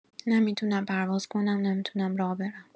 نه می‌تونم پرواز کنم، نه می‌تونم راه برم.